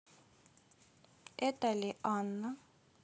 это ли анна